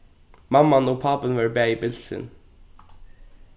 mamman og pápin vóru bæði bilsin